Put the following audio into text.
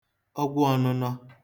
ọgwụ ọnụnọ